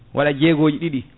waɗa jeegoji ɗiɗi